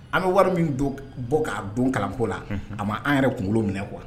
An bɛ wari min don bɔ k'a don kalanko la a ma an yɛrɛ kunkolo minɛ kuwa